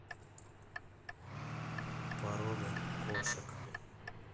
породы кошек